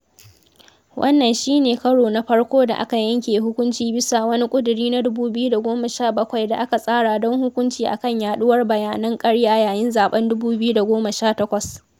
Wannan shi ne karon na farko da aka yanke hukunci bisa wani ƙudiri na 2017 da aka tsara don hukunci akan yaɗuwar bayanan ƙarya yayin zaɓen 2018.